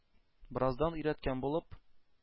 Бераздан: “Өйрәткән булып,